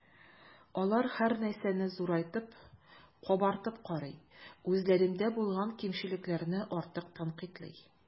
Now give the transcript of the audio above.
Алар һәрнәрсәне зурайтып, “кабартып” карый, үзләрендә булган кимчелекләрне артык тәнкыйтьли.